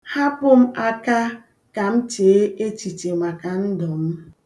Hapụ m aka kam chee echiche maka ndụ m.